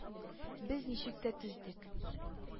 Без ничек тә түздек.